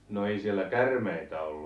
no ei siellä käärmeitä ollut